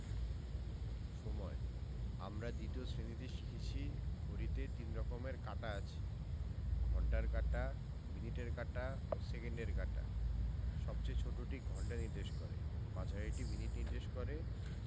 সময়ঃ আমরা ২য় শ্রেণিতে শিখেছি ঘড়িতে ৩ রকমের কাঁটা আছে ঘণ্টার কাঁটা মিনিটের কাঁটা ও সেকেন্ডের কাঁটা সবচেয়ে ছোটটি ঘন্টা নির্দেশ করে মাঝারিটি মিনিট নির্দেশ করে